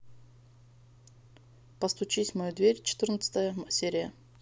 постучись в мою дверь четырнадцатая серия